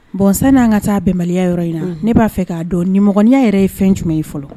Bon sani nan ka taa bɛnbaliya yɔrɔ in na , ne ba fɛ ka dɔn nimɔkɔniya yɛrɛ ye fɛn jumɛn ye fɔlɔ?